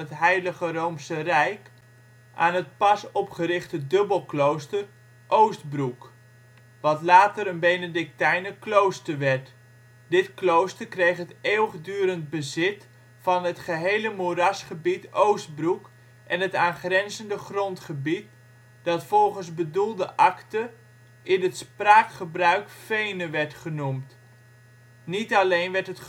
Heilige Roomse Rijk, aan het pas opgerichte dubbelklooster Oostbroek, wat later een Benedictijnenklooster werd. Dit klooster kreeg het eeuwigdurend bezit van het gehele moerasgebied Oostbroek en het aangrenzende grondgebied, dat volgens bedoelde akte in het spraakgebruik ' vene ' werd genoemd. Niet alleen werd het grondgebied